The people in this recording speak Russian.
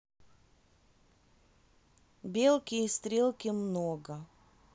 белки и стрелки много